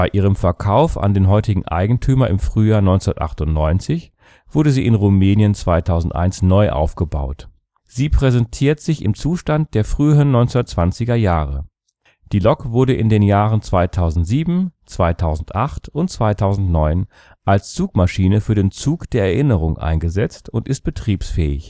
ihrem Verkauf an den heutigen Eigentümer im Frühjahr 1998 wurde sie in Rumänien 2001 neu aufgebaut. Sie präsentiert sich im Zustand der frühen 1920er-Jahre. Die Lok wurde in den Jahren 2007, 2008 und 2009 als Zugmaschine für den „ Zug der Erinnerung “eingesetzt und ist betriebsfähig